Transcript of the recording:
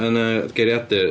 Yn y geiriadur.